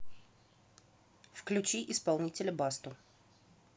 включи исполнителя басту